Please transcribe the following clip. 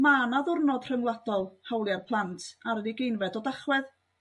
ma' 'na ddiwrnod rhyngwladol hawlia' plant ar ugeinfed o Dachwedd